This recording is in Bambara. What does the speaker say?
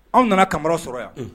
Anw nana kama sɔrɔ yan